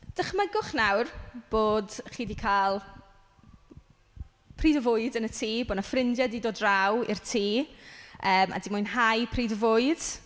Dychmygwch nawr bod chi 'di cael pryd o fwyd yn y tŷ. Bo' 'na ffrindiau 'di dod draw i'r tŷ a 'di mwynhau pryd o fwyd.